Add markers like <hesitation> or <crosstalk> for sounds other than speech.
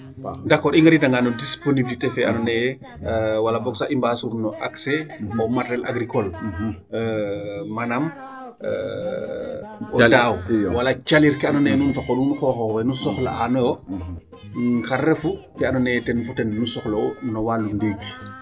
D'accord i ngariidangaa no dispoblité fe andoona yee wala boog sax i mbaa suur no accés au materiel :fdra agricole manaam <hesitation> o daaw wala calir ke andoona yee nuun fa qoox nuun nuun xooxoox we nu soxla'aanooyo xar refu ke andoona yee kene fo kene nu soxla'u no walu ndiig .